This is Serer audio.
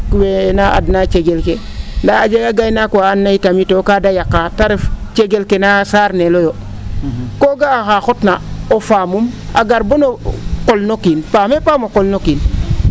we na adna cegel ke ndaa a jega gaynaak wa itam kaa da yaqaa te ref jegel ke naa saarnelooyo ko ga'aa oxaa xotna o faamum a gar boo no qol no kiin paam mee paam o qol no kiin